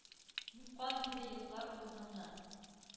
Ник кан юды йоклар урнымны?